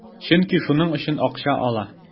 Чөнки шуның өчен акча ала.